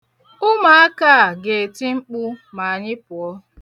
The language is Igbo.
Ụmụaka a ga-eti mkpu ma anyị pụọ.